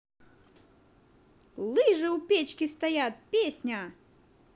лыжи у печки стоят песня